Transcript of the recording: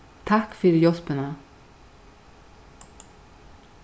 takk fyri hjálpina